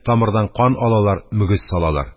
Тамырдан кан алалар, мөгез салалар.